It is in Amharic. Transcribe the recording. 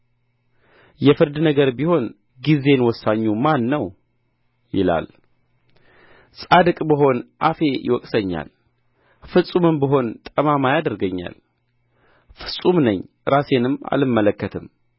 የፍርድ ነገር ቢሆን ጊዜን ወሳኙ ማን ነው ይላል ጻድቅ ብሆን አፌ ይወቅሰኛል ፍጹምም ብሆን ጠማማ ያደርገኛል ፍጹም ነኝ ራሴንም አልመለከትም